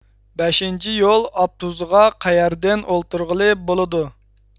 بەشىنچى يول ئاپتوبۇسىغا قەيەردىن ئولتۇرغىلى بولىدۇ